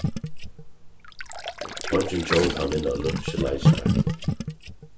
eingin tjóð kann vinna olympisku leikirnar